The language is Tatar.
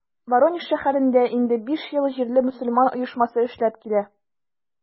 Воронеж шәһәрендә инде биш ел җирле мөселман оешмасы эшләп килә.